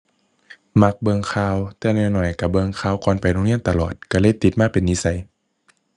มักเบิ่งข่าว แต่น้อยน้อยก็เบิ่งข่าวก่อนไปโรงเรียนตลอด ก็เลยติดมาเป็นนิสัย